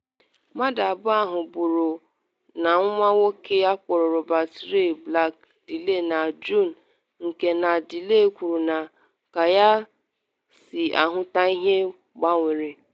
Mmadụ abụọ ahụ bụrụ nna nwa nwoke akpọrọ Robert Ray Black-Daley na Juun- nke na Daley kwuru na “ka ya si ahụta ihe” gbanwere.